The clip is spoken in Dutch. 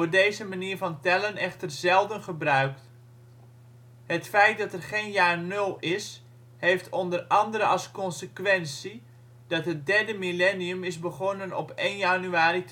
deze manier van tellen echter zelden gebruikt. Het feit dat er geen ' jaar 0 ' is, heeft onder andere als consequentie dat het derde millennium is begonnen op 1 januari